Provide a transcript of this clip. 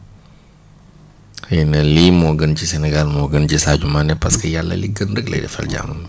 xëy na lii moo gën ci Sénégal moo gën ci Sadio Mané parce que yàlla li gën rek lay defal jaamam bi